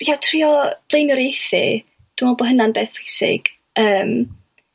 ia trio blaenoriaethu dwi me' bo' hyna'n beth pwysig ymm